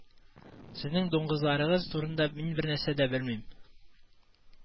Сезнең дуңгызларыгыз турында мин бернәрсә дә белмим